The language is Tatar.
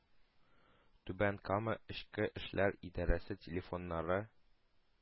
Түбән Кама эчке эшләр идарәсе телефоннары: